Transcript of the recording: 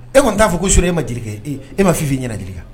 E kɔni t'a fɔ ko sura e ma Jelika ye e e ma Fifi y'i ɲɛna Jelika